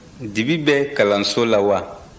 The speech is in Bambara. dibi bɛ kalanso la wa